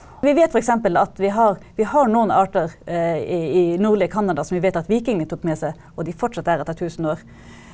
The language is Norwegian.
vi vet f.eks. at vi har vi har noen arter i i nordlige Canada som vi vet at vikingene tok med seg og de fortsatt er etter 1000 år.